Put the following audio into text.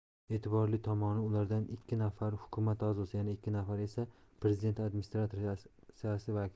e'tiborli tomoni ulardan ikki nafari hukumat a'zosi yana ikki nafari esa prezident administratsiyasi vakili